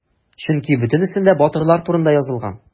Чөнки бөтенесендә батырлар турында язылган.